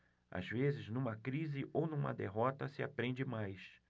às vezes numa crise ou numa derrota se aprende mais